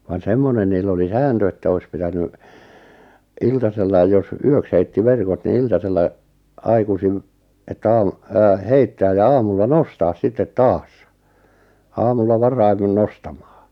vaan semmoinen niillä oli sääntö että olisi pitänyt iltasella jos yöksi heitti verkot niin iltasella aikaisin että -- heittää ja aamulla nostaa sitten taas aamulla varhemmin nostamaan